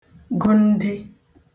gụnde